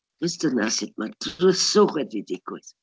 Achos dyna sut ma' dryswch wedi digwydd.